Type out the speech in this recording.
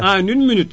en une minute